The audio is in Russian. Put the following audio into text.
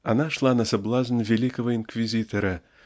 Она шла на соблазн великого инквизитора